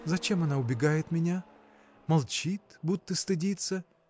– Зачем она убегает меня, молчит, будто стыдится?